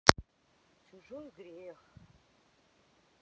чужой грех